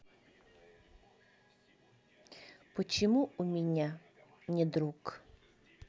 почему у меня не друг